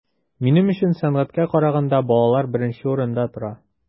Минем өчен сәнгатькә караганда балалар беренче урында тора.